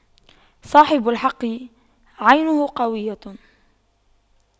صاحب الحق عينه قوية